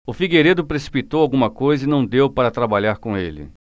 o figueiredo precipitou alguma coisa e não deu para trabalhar com ele